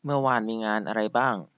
เมื่อวานมีงานอะไรบ้าง